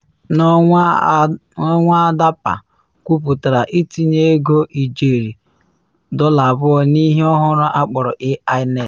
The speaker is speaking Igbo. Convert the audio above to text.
N’ọnwa a DARPA kwuputere ntinye ego ijeri $2 n’ihe ọhụrụ akpọrọ AI Next.